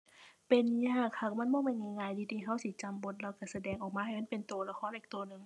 เป็นยากคัก มันบ่แม่นง่ายง่ายเดะที่เราสิจำบทแล้วเราแสดงออกมาให้มันเป็นเราละครอีกเราหนึ่ง